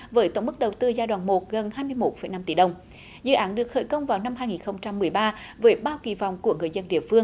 với tổng mức đầu tư giai đoạn một gần hai mươi mốt phẩy năm tỷ đồng dự án được khởi công vào năm hai nghìn không trăm mười ba với bao kỳ vọng của người dân địa phương